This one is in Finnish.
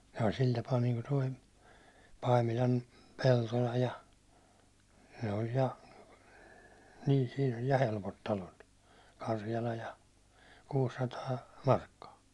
sai sillä tapaa niin kuin tuo Paimilan Peltola ja ne oli ja niin - siinä oli ja helpot talot Karjala ja kuusisataa markkaa